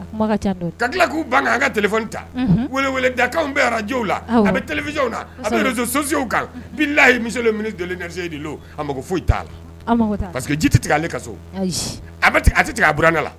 Ka tila k'u ban an ka ta dakan bɛ arajw lawsiw kan lahi mi a mako foyi t'a la paseke ji tɛ tigɛale ka so a a tɛ tigɛ a buran la